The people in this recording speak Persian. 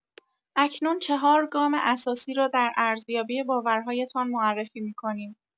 اکنون چهار گام اساسی را در ارزیابی باورهایتان معرفی می‌کنیم.